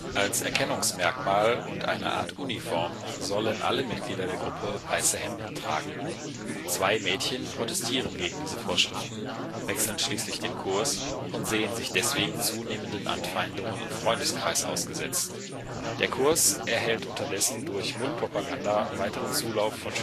Als Erkennungsmerkmal und eine Art Uniform sollen alle Mitglieder der Gruppe weiße Hemden tragen. Zwei Mädchen protestieren gegen diese Vorschriften, wechseln schließlich den Kurs und sehen sich deswegen zunehmenden Anfeindungen im Freundeskreis ausgesetzt. Der Kurs erhält unterdessen durch Mundpropaganda weiteren Zulauf von